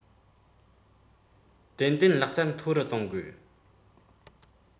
ཏན ཏན ལག རྩལ མཐོ རུ གཏོང དགོས